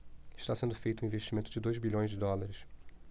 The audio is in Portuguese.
está sendo feito um investimento de dois bilhões de dólares